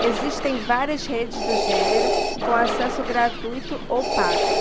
existem várias redes do gênero com acesso gratuito ou pago